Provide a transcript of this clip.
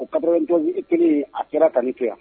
O kaj i teri a kɛra ka to yan